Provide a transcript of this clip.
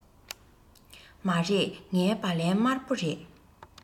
མ རེད ངའི སྦ ལན དམར པོ རེད